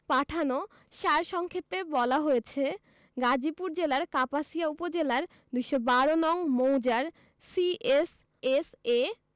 পাঠানো সার সংক্ষেপে বলা হয়েছে গাজীপুর জেলার কাপাসিয়া উপজেলার ২১২ নং মৌজার সি এস এস এ